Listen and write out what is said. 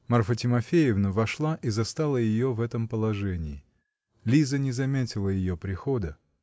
Марфа Тимофеевна вошла и застала ее в этом положении. Лиза не заметила ее прихода.